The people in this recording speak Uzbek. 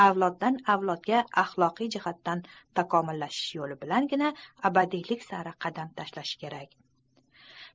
avloddan avlodga axloqiy jihatdan takomillashish yo'li bilangina abadiylik sari qadam tashlashi kerak